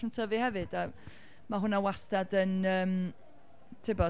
yn tyfu hefyd. A ma' hwnna wastad yn, yym tibod...